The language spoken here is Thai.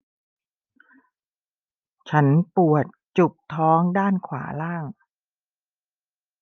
ฉันปวดจุกท้องด้านขวาล่าง